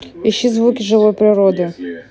ищи звуки живой природы